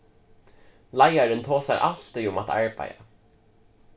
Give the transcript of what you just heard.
leiðarin tosar altíð um at arbeiða